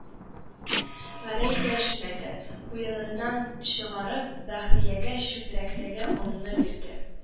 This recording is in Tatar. Гәрәй дәшмәде, куеныннан чыгарып Бәхриягә чүпрәктәге онны бирде